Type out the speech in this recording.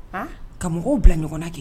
Ka mɔgɔw bila ɲɔgɔn kɛ